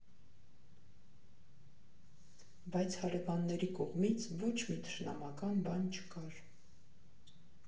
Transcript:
Բայց հարևանների կողմից ոչ մի թշնամական բան չկար։